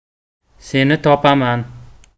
seni topaman